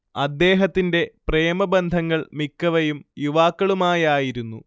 അദ്ദേഹത്തിന്റെ പ്രേമബന്ധങ്ങൾ മിക്കവയും യുവാക്കളുമായായിരുന്നു